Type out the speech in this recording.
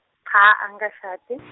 cha angashadi.